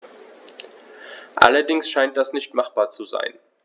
Allerdings scheint das nicht machbar zu sein.